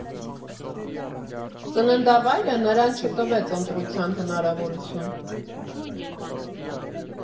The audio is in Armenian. Ծննդավայրը նրան չտվեց ընտրության հնարավորություն։